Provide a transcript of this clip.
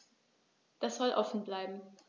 Das soll offen bleiben.